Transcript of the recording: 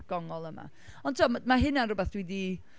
gongol yma? Ond timod mae hynna'n rhywbeth dwi 'di...